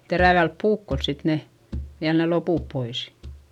terävällä puukolla sitten ne vielä ne loput pois